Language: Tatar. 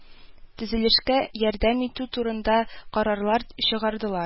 Төзелешкә ярдәм итү турында карарлар чыгардыла